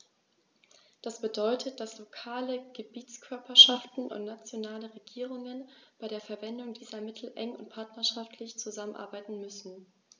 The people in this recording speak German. Das bedeutet, dass lokale Gebietskörperschaften und nationale Regierungen bei der Verwendung dieser Mittel eng und partnerschaftlich zusammenarbeiten müssen.